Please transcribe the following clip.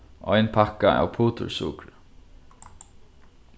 ein pakka av putursukri